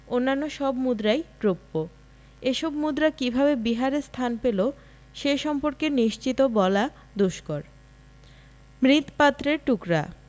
শেষোক্তটি তাম্রমুদ্রা অন্যান্য সব মুদ্রাই রৌপ্য এসব মুদ্রা কিভাবে বিহারে স্থান পেল সে সম্পর্কে নিশ্চিত বলা দুষ্কর মুৎপাত্রের টুকরা